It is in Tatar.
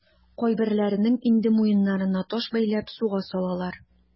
Кайберләренең инде муеннарына таш бәйләп суга салалар.